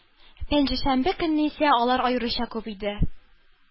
Пәнҗешәмбе көнне исә алар аеруча күп иде